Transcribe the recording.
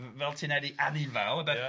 F- fel ti'n neud i anifail, ynde?...Ia...